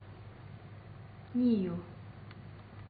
གཉིས ཡོད